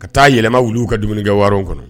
Ka taa yɛlɛma wuliu ka dumuni kɛwaraw kɔnɔ